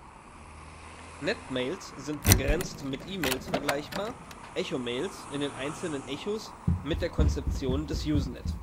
Netmails sind begrenzt mit E-Mails vergleichbar, Echomails in den einzelnen Echos mit der Konzeption des Usenet